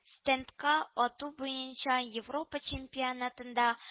Стендка ату буенча европа чемпионатында